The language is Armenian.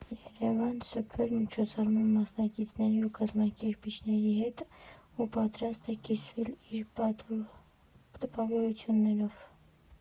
ԵՐԵՎԱՆը շփվել միջոցառման մասնակիցների ու կազմակերպիչների հետ, ու պատրաստ է կիսվել իր տպավորություններով։